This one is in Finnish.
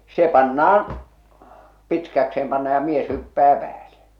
se pannaan pitkäkseen pannaan ja mies hyppää päälle